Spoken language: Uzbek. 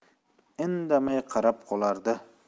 indamay qarab qolardi